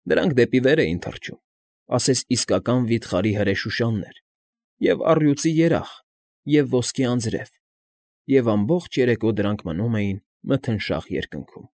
Դրանք դեպի վեր էին թռչում, ասես իսկական վիթխարի հրե շուշաններ, և՛ առյուծի երախ, և՛ ոսկե անձրև և ամբողջ երեկո դրանք մնում էին մթնշաղ երկնքում։